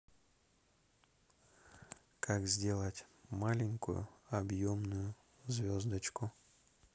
как сделать маленькую объемную звездочку